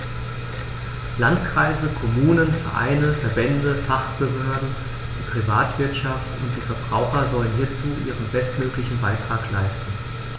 Landkreise, Kommunen, Vereine, Verbände, Fachbehörden, die Privatwirtschaft und die Verbraucher sollen hierzu ihren bestmöglichen Beitrag leisten.